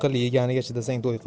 yeganiga chidasang to'y qil